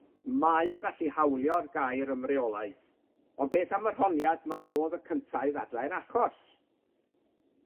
Mae o'n gallu hawlio'r gair ymreolaeth, ond beth am yr honiad ma' fo o'dd y cynta i ddadlau'r achos?